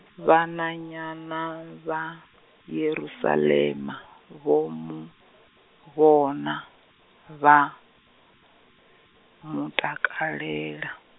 vhananyana vha, Yerusalema, vho mu vhona vha, mutakalela.